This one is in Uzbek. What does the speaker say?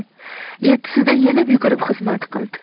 yettisida yelib yugurib xizmat qildi